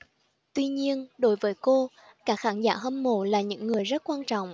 tuy nhiên đối với cô các khán giả hâm mộ là những người rất quan trọng